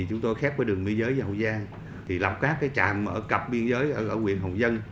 thì chúng tôi khép cái đường biên giới dầu giang thì lọc các cái trạm mở cặp biên giới ở huyện hồng dân